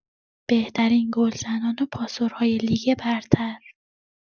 بهترین گلزنان و پاسورهای لیگ برتر